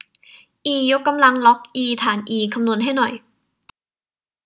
อียกกำลังล็อกอีฐานอีคำนวณให้หน่อย